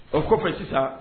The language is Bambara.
O kɔfɛ sisan